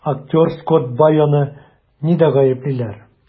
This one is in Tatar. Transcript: Актер Скотт Байоны нидә гаеплиләр?